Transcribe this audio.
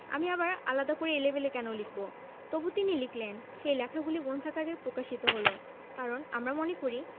আমি আবার আলাদা করে এলেবেলে কেন লিখব তবু তিনি লিখলেন সেই লেখাগুলি গ্রন্থাকারে প্রকাশিত হল কারণ আমরা মনে করি